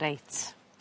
Reit.